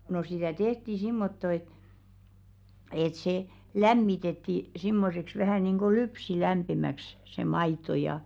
no sitä tehtiin semmottoon että että se lämmitettiin semmoiseksi vähän niin kuin lypsylämpimäksi se maito ja ja